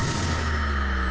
hơn